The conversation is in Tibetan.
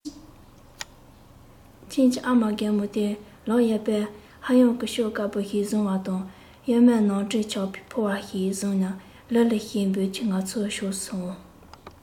ཁྱིམ གྱི ཨ མ རྒན མོ དེས ལག གཡས པས ཧ ཡང གི སྐྱོགས དཀར པོ ཞིག བཟུང བ དང གཡོན མར ནག དྲེག ཆགས པའི ཕོར པ ཞིག བཟུང ནས ལི ལི ཞེས འབོད ཀྱིན ང ཚོའི ཕྱོགས སུ འོང